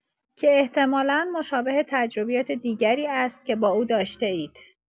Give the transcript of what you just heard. که احتمالا مشابه تجربیات دیگری است که با او داشته‌اید.